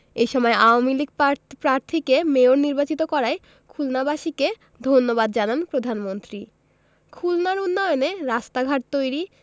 এ সময় আওয়ামী লীগ প্রার্থীকে মেয়র নির্বাচিত করায় খুলনাবাসীকে ধন্যবাদ জানান প্রধানমন্ত্রী খুলনার উন্নয়নে রাস্তাঘাট তৈরি